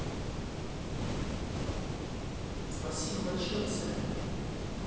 спасибо большое сами